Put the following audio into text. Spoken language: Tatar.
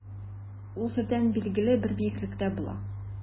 Ул җирдән билгеле бер биеклектә була.